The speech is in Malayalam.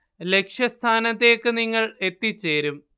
ലക്ഷ്യസ്ഥാനത്തേക്ക് നിങ്ങൾ എത്തിച്ചേരും